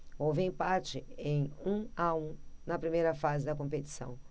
houve empate em um a um na primeira fase da competição